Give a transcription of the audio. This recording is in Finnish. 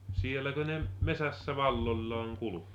sielläkö ne metsässä valloillaan kulki